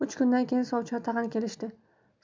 uch kundan keyin sovchilar tag'in kelishdi